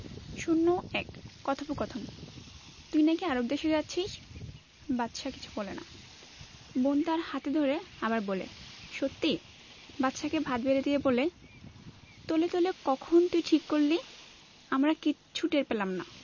০১ কথোপকথন তুই নাকি আরব দেশে যাচ্ছিস বাদশা কিছু বলে না বোন তার হাত ধরে আবার বলে সত্যি বাদশাকে ভাত বেড়ে দিয়ে বলে তলে তলে কখন তুই ঠিক করলি আমরা কিচ্ছু টের পেলাম না